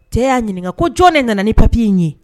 E y'a ɲininka ko jɔn ne nana ni papi ii ye